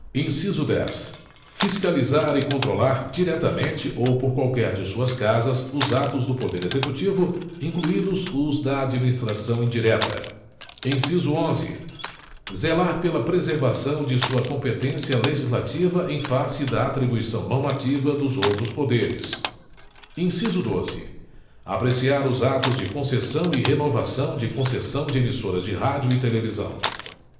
inciso dez fiscalizar e controlar diretamente ou por qualquer de suas casas os atos do poder executivo incluídos os da administração indireta inciso onze zelar pela preservação de sua competência legislativa em face da atribuição normativa dos outros poderes inciso doze apreciar os atos de concessão e renovação de concessão de emissoras de rádio e televisão